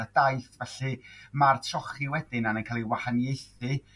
y daith felly ma'r trochi wedyn anan ca'l i wahaniaethu